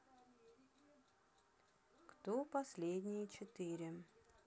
кто последнее четыре